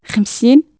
خمسين